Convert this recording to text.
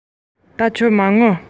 ང གཉིས ཀྱིས ད ཁྱོད མ ངུ